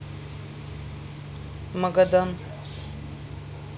магадан